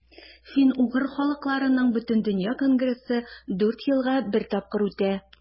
Фин-угыр халыкларының Бөтендөнья конгрессы дүрт елга бер тапкыр үтә.